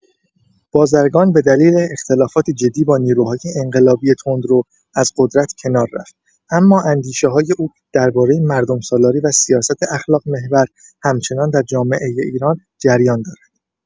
بازرگان به دلیل اختلافات جدی با نیروهای انقلابی تندرو، از قدرت کنار رفت، اما اندیشه‌های او درباره مردم‌سالاری و سیاست اخلاق‌محور همچنان در جامعه ایران جریان دارد.